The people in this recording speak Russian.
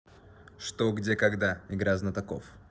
что где когда игра знатоков